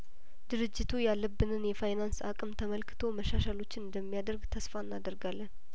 ድርጅቱ ያለብንን የፋይናንስ አቅም ተመልክቶ መሻሻሎችን እንደሚያደርግ ተስፋ እናደርጋለን